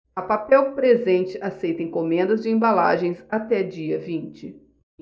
a papel presente aceita encomendas de embalagens até dia vinte